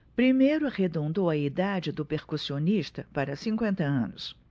primeiro arredondou a idade do percussionista para cinquenta anos